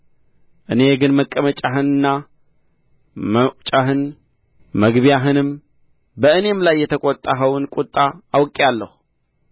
እኔ ግን መቀመጫህንና መውጫህን መግቢያህንም በእኔም ላይ የተቈጣኸውን ቍጣ አውቄአለሁ